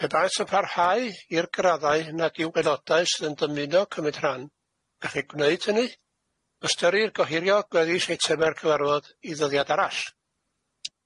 Pebaeth yn parhau i'r graddau nad yw benodau sydd yn dymuno cymryd rhan gallu gwneud hynny, ystyrir gohirio gweddill eitemau'r cyfarfod i ddyddiad arall.